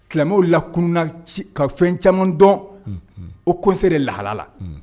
Silamɛw lakunna ka fɛn caaman gɔn bau tconseil lahalaya la